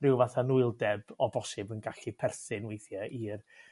rhyw fath o anwyldeb o bosib yn gallu perthyn weithie i'r